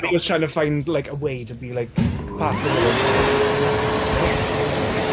And he was trying to find like, a way to be like, partnered with her, and she was like, "No, no, no."